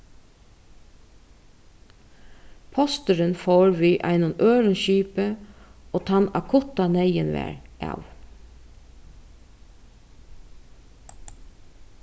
posturin fór við einum øðrum skipi og tann akutta neyðin var av